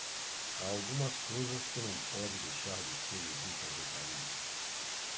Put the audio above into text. há algumas coisas que não podem deixar de serem vistas em paris